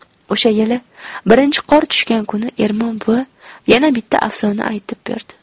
o'sha yili birinchi qor tushgan kuni ermon buva yana bitta afsona aytib berdi